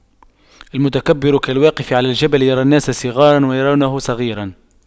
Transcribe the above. المتكبر كالواقف على الجبل يرى الناس صغاراً ويرونه صغيراً